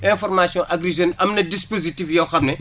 information agri Jeunes am na dispositifs yoo xam ne